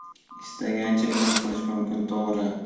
istagancha ilm qilish mumkin to'g'ri